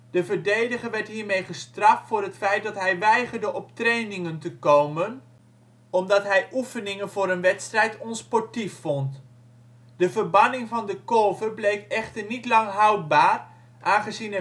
de verdediger werd hiermee gestraft voor het feit dat hij weigerde op trainingen te komen, omdat hij oefeningen voor een wedstrijd onsportief vond. De verbanning van De Korver bleek echter niet lang houdbaar, aangezien